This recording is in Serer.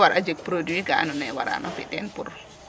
Ndaa kaaga war a jeg produit ka andoona ye waran o fi' teen pour.